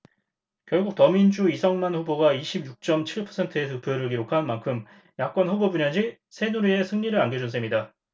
결국 더민주 이성만 후보가 이십 육 쩜 칠 퍼센트의 득표율을 기록한 만큼 야권 후보 분열이 새누리에 승리를 안겨준 셈이다